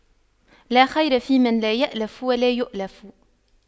لا خير فيمن لا يَأْلَفُ ولا يؤلف